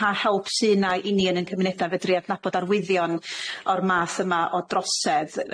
pa help sy 'na i ni yn ein cymuneda' fedru adnabod arwyddion o'r math yma o drosedd?